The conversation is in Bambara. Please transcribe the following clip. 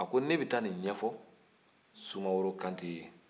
a ko ne bɛ taa nin ɲɛfɔ sumaworo kante ye